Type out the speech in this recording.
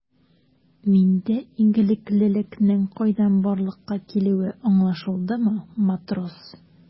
Миндә игелеклелекнең кайдан барлыкка килүе аңлашылдымы, матрос?